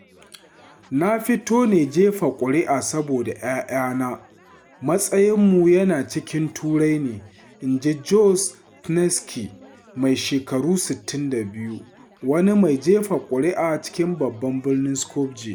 “Na fito ne don jefa kuri’a saboda ‘ya’yana, matsayinmu yana cikin Turai ne,” inji Gjose Tanevski, mai shekaru 62, wani mai jefa kuri’a cikin babban birnin, Skopje.